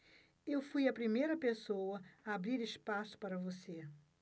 eu fui a primeira pessoa a abrir espaço para você